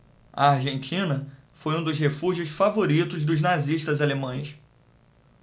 a argentina foi um dos refúgios favoritos dos nazistas alemães